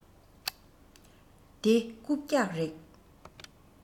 འདི རྐུབ བཀྱག རེད